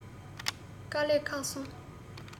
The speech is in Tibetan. དཀའ ལས ཁག སོང